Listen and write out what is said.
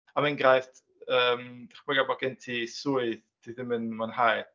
Er enghraifft yym dychmyga bod gen ti swydd ti ddim yn mwynhau.